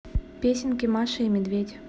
песенки маша и медведь